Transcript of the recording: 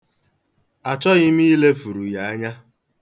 Achọghị m ilefuru ya anya.